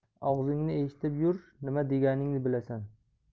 og'zingni eshitib yur nima deganingni bilasan